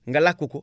nga lakk ko